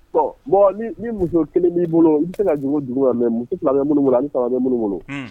Bɔn mɔgɔ ni muso kelen b'i bolo i bɛ tɛna ka jugu dugu mɛ misi fila minnu bolo fila minnu kɔnɔ